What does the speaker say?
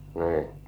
niin